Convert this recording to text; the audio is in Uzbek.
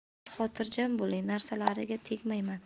siz xotirjam bo'ling narsalariga tegmayman